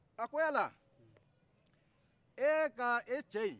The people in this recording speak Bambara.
a ko yala e ka e cɛ in